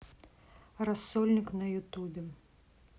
рассольник на ютубе